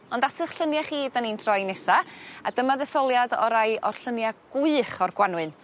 Ond at 'ych llunia' chi 'dan ni'n troi nesa a dyma ddetholiad o rai o'r llunia' gwych o'r Gwanwyn